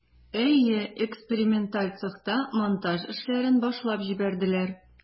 Әйе, эксперименталь цехта монтаж эшләрен башлап җибәрделәр.